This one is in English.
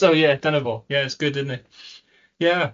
So yeah, dyna fo, yeah, it's good, isn't it? Yeah.